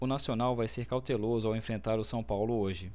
o nacional vai ser cauteloso ao enfrentar o são paulo hoje